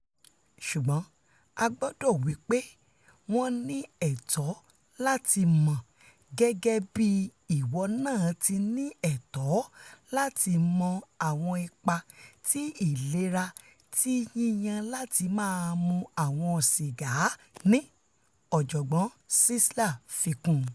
Ṣùgbọ́n a gbàgbó wí pé wọ́n ní ẹ̀tọ́ láti mọ̀ - gẹ́gẹ́bí ìwọ náà ti ní ẹ̀tọ́ láti mọ̀ àwọn ipa ti ìlera ti yíyàn láti máa mu àwọn sìgá,' ni Ọ̀jọ̀gbọ́n Czeisler fi kún un.